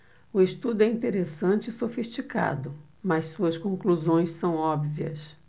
o estudo é interessante e sofisticado mas suas conclusões são óbvias